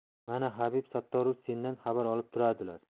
mana habib sattorovich sendan xabar olib turadilar